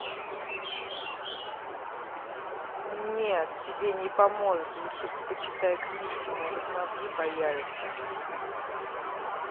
нет тебе не поможет лучше почитай книжки может мозги появятся